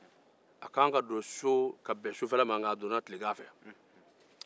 a ka kan ka don so ka bɛn sufɛla ma nka a donna tilegan fɛ